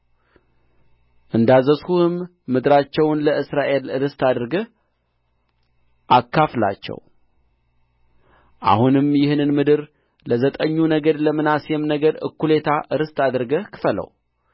እንዳዘዝሁህም ምድራቸውን ለእስራኤል ርስት አድርገህ አካፍላቸው አሁንም ይህን ምድር ለዘጠኙ ነገድ ለምናሴም ነገድ እኩሌታ ርስት አድርገህ ክፈለው